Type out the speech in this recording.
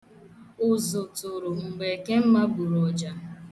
Ụzụ tụrụ mgbe Ekemma gburu ọja.